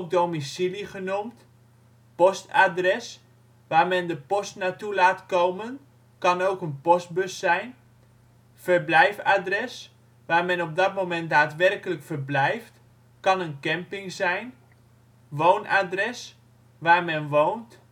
domicilie genoemd) postadres (waar men de post naar toe laat komen; kan ook een postbus zijn) verblijfadres (waar men op dat moment daadwerkelijk verblijf; kan de camping zijn) woonadres (waar men woont